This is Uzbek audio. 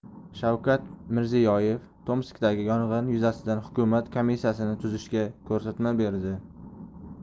shavkat mirziyoyev tomskdagi yong'in yuzasidan hukumat komissiyasini tuzishga ko'rsatma berdi